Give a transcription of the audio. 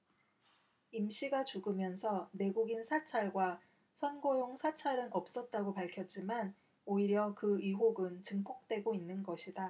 임씨가 죽으면서 내국인 사찰과 선거용 사찰은 없었다고 밝혔지만 오히려 그 의혹은 증폭되고 있는 것이다